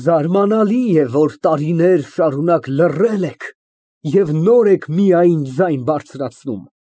Զարմանալի է, որ տարիներ շարունակ լռել եք և նոր եք միայն ձայն բարձրացնում։